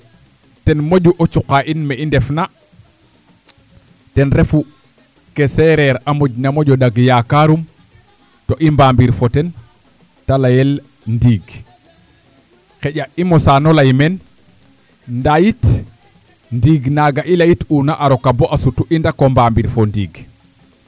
ten moƴu o cuqa in me i ndefna ten refu ke seereer a moƴna moƴo ɗag yakarum to i mbamir fo ten te layel ndiig xaƴa i mosaan no lay meen ndaa yit ndiig naga i layit'una a roka bata i ndako mbamir fo ndiig